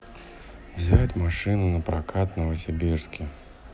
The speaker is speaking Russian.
взять машину на прокат в новосибирске